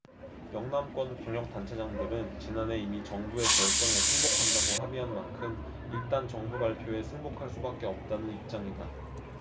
영남권 광역단체장들은 지난해 이미 정부의 결정에 승복한다고 합의한 만큼 일단 정부 발표에 승복할 수밖에 없다는 입장이다